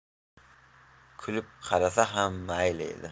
kulib qarasa ham mayli edi